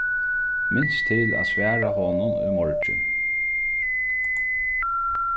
minst til at svara honum í morgin